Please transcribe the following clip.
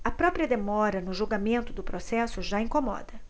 a própria demora no julgamento do processo já incomoda